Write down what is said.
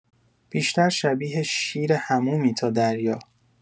بیشتر شبیه شیر حمومی تا دریا